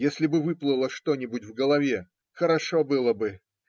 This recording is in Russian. Если бы выплыло что-нибудь в голове, хорошо было бы.